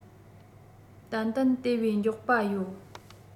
ཏན ཏན དེ བས མགྱོགས པ ཡོད